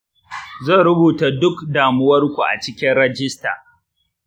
zan rubuta duk damuwarku a cikin rajista.